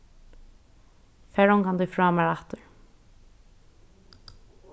far ongantíð frá mær aftur